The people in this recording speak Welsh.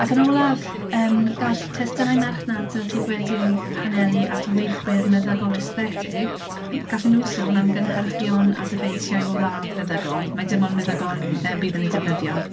Ac yn olaf, yym, gall testunau merchnata sydd wedi eu hanelu at weithwyr meddygol esthetig, m- gallen nhw sôn am gynhyrchion a dyfeisiau o radd feddygol, mai dim ond meddygon yym bydd yn eu defnyddio.